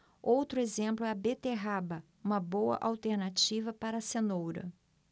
outro exemplo é a beterraba uma boa alternativa para a cenoura